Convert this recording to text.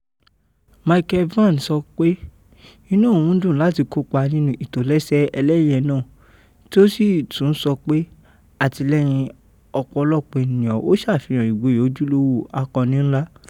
Michael Vann sọ pé “inú òun dùn láti kópa nínú ìtòlẹ́ṣẹ ẹlẹ́yẹ náà” tí ó sì tún sọ pé “Àtìlẹyìn ọ̀pọ̀lọpọ̀ ènìyàn ó ṣàfihàn ìgboyà ojúlówó akọni ńlá."